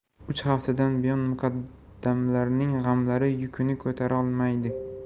uch haftadan buyon muqaddamlarning g'amlari yukini ko'tarolmaydi